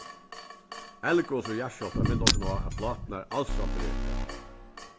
eldgos og jarðskjálvtar minna okkum á at pláturnar alsamt reka